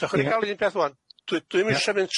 ga'l un peth ŵan dwi dwi'm isho mynd